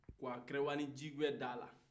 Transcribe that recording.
ka ta kɛrɛwani jijɛ dala